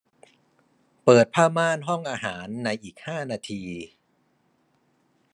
เปิดผ้าม่านห้องอาหารในอีกห้านาที